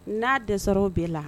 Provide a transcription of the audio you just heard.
N'a dɛsɛr'o bɛɛ la